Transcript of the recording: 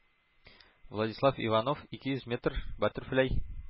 Владислав Иванов ике йөз метр, баттерфляй